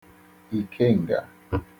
ìkeǹgà